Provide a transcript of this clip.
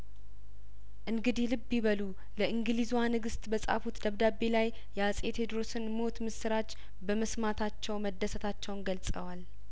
እንግዲህ ልብ ይበሉ ለእንግሊዟን ግስት በጻፉት ደብዳቤ ላይ የአጼቴድሮስን ሞት ምስራች በመስማታቸው መደሰታቸውን ገልጸዋል